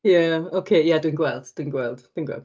Ie ok, ie dwi'n gweld dwi'n gweld dwi'n gweld.